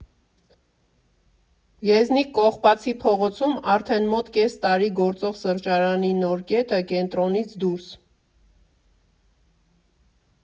Եզնիկ Կողբացի փողոցում արդեն մոտ կես տարի գործող սրճարանի նոր կետը՝ Կենտրոնից դուրս։